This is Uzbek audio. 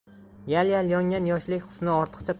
yal yal yongan yoshlik husni ortiqcha